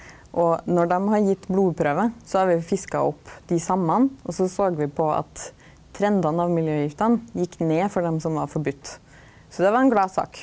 og når dei har gitt blodprøve så har vi fiska opp dei same, og så såg vi på at trendane av miljøgiftene gjekk ned for dei som var forbodne, så det var ei gladsak.